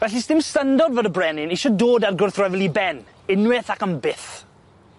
Felly sdim syndod fod y brenin isio dod â'r gwrthryfel i ben, unweth ac am byth.